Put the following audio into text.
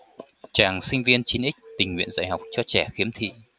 chàng sinh viên chín x tình nguyện dạy học cho trẻ khiếm thị